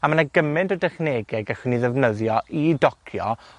A ma' 'na gyment o dechnege gellwn ni ddefnyddio i docio,